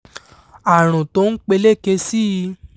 Àrùn T'ó Ń Peléke Sí i